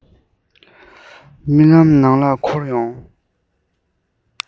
རྨི ལམ ནང ལ འཁོར ཡོང